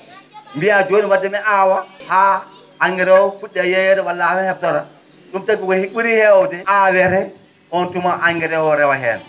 mbiyaa jooni wadde haa engrais o fu??e yeeyeede walla haami he?ta tan ?um tagi ko heew ko ?uri heewde aawete on tuma engrais o rewa heen